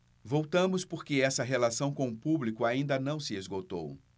voltamos porque essa relação com o público ainda não se esgotou